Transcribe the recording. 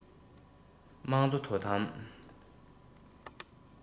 དམངས གཙོ དོ དམ